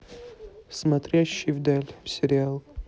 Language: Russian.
смотрящий в даль сериал